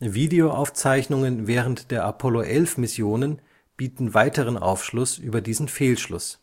Edwin Aldrin salutierend (erkennbar an der rechten Hand hinter dem Helm) Aldrin kurze Zeit später mit herabhängenden Armen; die Flagge hat immer noch die gleiche Charakteristik Videoaufzeichnungen während der Apollo-11-Missionen bieten weiteren Aufschluss über diesen Fehlschluss